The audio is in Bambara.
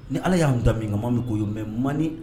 Ni ala y'an da min ka ma min k'' mɛ manɔni